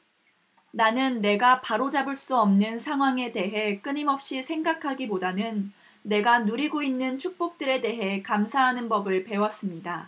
나는 내가 바로잡을 수 없는 상황에 대해 끊임없이 생각하기보다는 내가 누리고 있는 축복들에 대해 감사하는 법을 배웠습니다